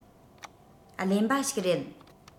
ཀླེན པ ཞིག རེད